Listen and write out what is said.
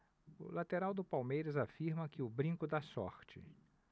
o lateral do palmeiras afirma que o brinco dá sorte